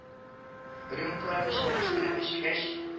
Рюмкаларны чәкәштереп эчкәч